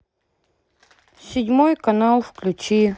седьмой канал включи